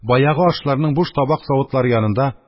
Баягы ашларның буш табак-савытлары янында,